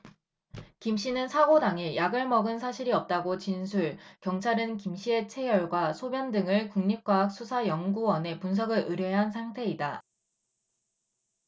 김씨는 사고 당일 약을 먹은 사실이 없다고 진술 경찰은 김씨의 채혈과 소변 등을 국립과학수사연구원에 분석을 의뢰한 상태이다